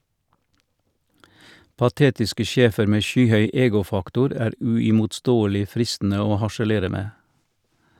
Patetiske sjefer med skyhøy ego-faktor er uimotståelig fristende å harselere med.